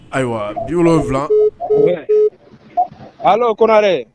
Ayiwa biwula alao kore